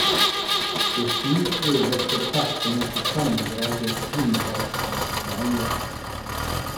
De sju øverste plassene i sammendraget innehas av spaniere.